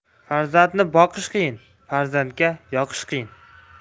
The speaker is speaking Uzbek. farzandni boqish qiyin farzandga yoqish qiyin